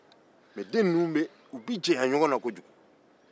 me den ninnu bɛ janya ɲɔgɔn na kojugu